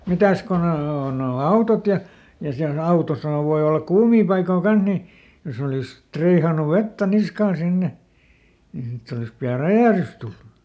mitäs kun ne on nuo nuo autot ja ja siellä autossahan voi olla kuumia paikkoja kanssa niin jos olisi triihannut vettä niskaan sinne niin sitten olisi pian räjähdys tullut